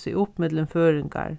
seg upp millum føroyingar